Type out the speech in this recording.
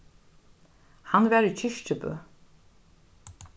hann var í kirkjubø